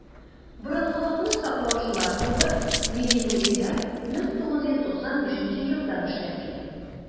"борынгылыкны саклаучылар" клубы милли музейда 1995 елдан эшләп килә.